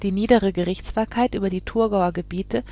niedere Gerichtsbarkeit über die Thurgauer Gebiete